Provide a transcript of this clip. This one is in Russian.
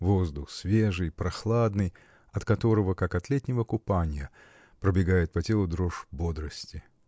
Воздух свежий, прохладный, от которого, как от летнего купанья, пробегает по телу дрожь бодрости.